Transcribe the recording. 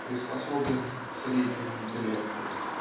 приспособленных к среднему интеллекту.